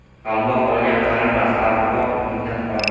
qalmoq olgan qarimas arg'umoq mingan horimas